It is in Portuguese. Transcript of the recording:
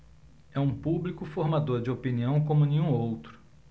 é um público formador de opinião como nenhum outro